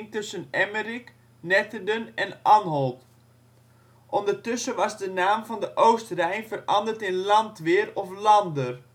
tussen Emmerik, Netterden en Anholt. Ondertussen was de naam van de Oost-Rijn veranderd in Landweer of Lander